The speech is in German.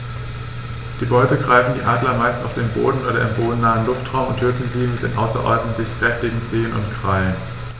Die Beute greifen die Adler meist auf dem Boden oder im bodennahen Luftraum und töten sie mit den außerordentlich kräftigen Zehen und Krallen.